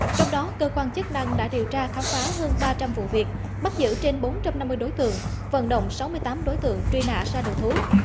trong đó cơ quan chức năng đã điều tra khám phá hơn ba trăm vụ việc bắt giữ trên bốn trăm năm mươi đối tượng vận động sáu mươi tám đối tượng truy nã ra đầu thú